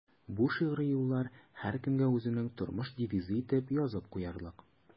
Бу шигъри юллар һәркемгә үзенең тормыш девизы итеп язып куярлык.